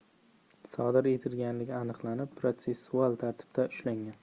sodir etganligi aniqlanib protsessual taribda ushlangan